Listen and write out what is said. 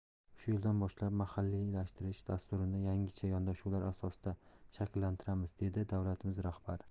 shu yildan boshlab mahalliylashtirish dasturini yangicha yondashuvlar asosida shakllantiramiz dedi davlatimiz rahbari